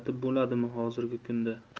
haydatib bo'ladimi xozirgi kunda